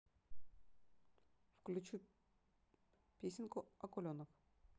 включи песенку акуленок